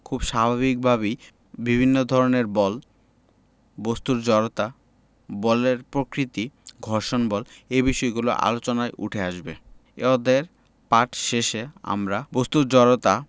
খুব স্বাভাবিকভাবেই বিভিন্ন ধরনের বল বস্তুর জড়তা বলের প্রকৃতি ঘর্ষণ বল এই বিষয়গুলোও আলোচনায় উঠে আসবে এ অধ্যায় পাঠ শেষে আমরা বস্তুর জড়তা